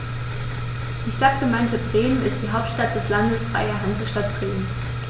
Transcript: Die Stadtgemeinde Bremen ist die Hauptstadt des Landes Freie Hansestadt Bremen.